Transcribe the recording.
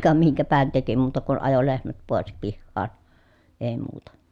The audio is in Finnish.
ka minkäpähän teki muuta kuin ajo lehmät pois pihaan ei muuta